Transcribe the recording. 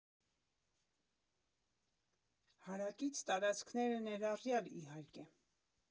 Հարակից տարածքները ներառյալ, իհարկե։